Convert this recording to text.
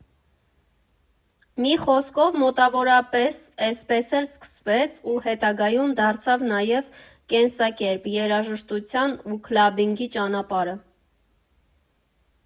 Մի խոսքով, մոտավորապես էսպես էլ սկսվեց ու հետագայում դարձավ նաև կենսակերպ՝ երաժշտության ու քլաբբինգի ճանապարհը։